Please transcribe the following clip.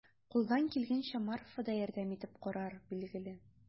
Кулдан килгәнчә Марфа да ярдәм итеп карар, билгеле.